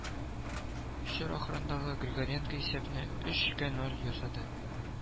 Чор ахырында Григоренко исәпне өч:ноль ясады